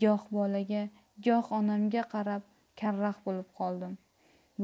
goh bolaga goh onamga qarab karaxt bo'lib qoldim